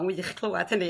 Ma'n wych clywad hynny